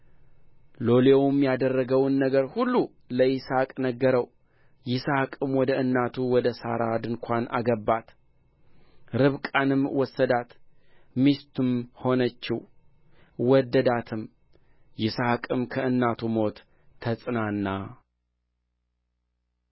ሎሌውም ያደረገውን ነገር ሁሉ ለይስሐቅ ነገረው ይስሐቅም ወደ እናቱ ወደ ሣራ ድንኳን አገባት ርብቃንም ወሰዳት ሚስትም ሆነችው ወደዳትም ይስሐቅም ከእናቱ ሞት ተጽናና